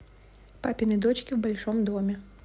папины дочки в большом доме